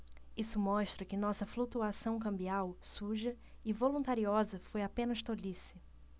isso mostra que nossa flutuação cambial suja e voluntariosa foi apenas tolice